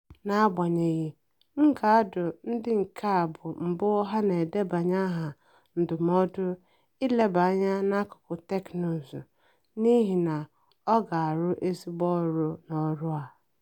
N'agbanyeghị, m ga-adụ ndị nke a bụ mbụ ha na-edebanye aha ndụmọọdụ ịleba anya na akụkụ teknụzụ, n'ihi na ọ ga-arụ ezigbo ọrụ n'ọrụ a.